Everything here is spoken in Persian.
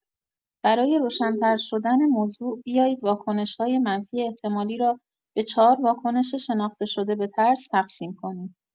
برای روشن‌ترشدن موضوع، بیایید واکنش‌های منفی احتمالی را به چهار واکنش شناخته شده به ترس تقسیم کنیم.